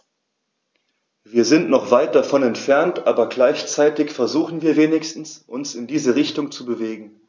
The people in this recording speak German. Wir sind noch weit davon entfernt, aber gleichzeitig versuchen wir wenigstens, uns in diese Richtung zu bewegen.